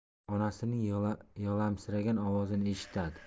onasining yig'lamsiragan ovozini eshitadi